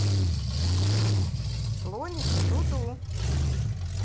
слоник ду ду